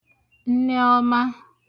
nneọma